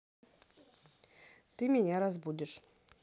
ты меня разбудишь